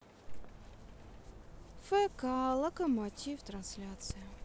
фк локомотив трансляция